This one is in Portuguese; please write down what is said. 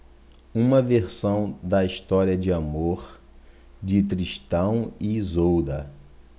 uma versão da história de amor de tristão e isolda